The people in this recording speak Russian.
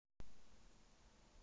поставь ты что делаешь